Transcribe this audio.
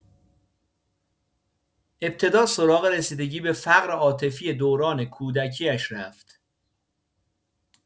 ابتدا سراغ رسیدگی به فقر عاطفی دوران کودکی‌اش رفت.